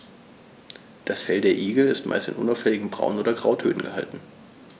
Das Fell der Igel ist meist in unauffälligen Braun- oder Grautönen gehalten.